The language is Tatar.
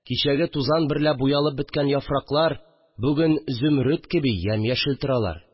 Кичәге тузан берлә буялып беткән яфраклар бүген, зүмруд кеби, ямь-яшел торалар